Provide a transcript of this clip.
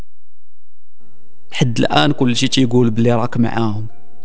حد الان كل شيء بالرقم معاهم